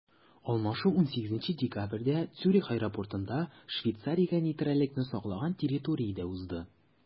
Алмашу 18 декабрьдә Цюрих аэропортында, Швейцариягә нейтральлекне саклаган территориядә узды.